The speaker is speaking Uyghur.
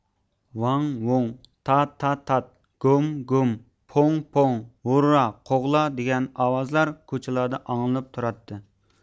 ۋاڭ ۋۇڭ تا تا تات گوم گۇم پوڭ پوڭ ھۇررا قوغلا دىگەن ئاۋازلار كوچىلاردا ئاڭلىنىپ تۇراتتى